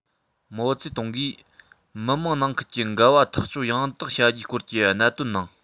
མའོ ཙེ ཏུང གིས མི དམངས ནང ཁུལ གྱི འགལ བ ཐག གཅོད ཡང དག བྱ རྒྱུའི སྐོར གྱི གནད དོན ནང